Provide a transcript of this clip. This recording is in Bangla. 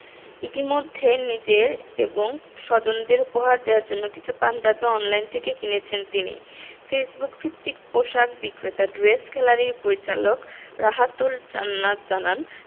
ইতিমধ্যে নিজের এবং স্বজনদের উপহার দেওয়ার জন্য কিছু পাঞ্জাবি অনলাইন থেকে কিনেছেন তিনি ফেসবুকভিত্তিক পোশাক বিক্রেতা ড্রেস গ্যালারির পরিচালকরাহাতুল জান্নাত জানান